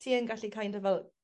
ti yn gallu kind of fel